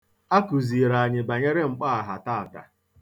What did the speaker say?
A kụziiri anyị banyere mkpọaha taata.